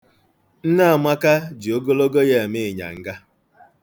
Nne Amaka ji ogologo ya eme ịnyanga.